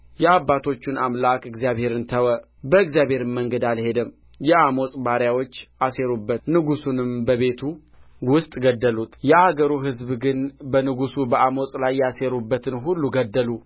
የአባቶቹንም አምላክ እግዚአብሔርን ተወ በእግዚአብሔርም መንገድ አልሄደም የአሞጽም ባሪያዎች አሴሩበት ንጉሡንም በቤቱ ውስጥ ገደሉት